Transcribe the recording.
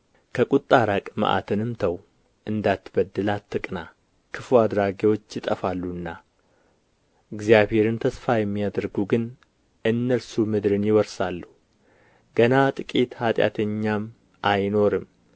ከቁጣ ራቅ መዓትንም ተው እንዳትበድል አትቅና ክፉ አድራጊዎች ይጠፋሉና እግዚአብሔርን ተስፋ የሚያደርጉ ግን እነርሱ ምድርን ይወርሳሉ ገና ጥቂት ኃጢአተኛም አይኖርም